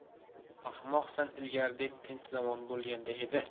ahmoqsan ilgarigidek tinch zamon bo'lganda edi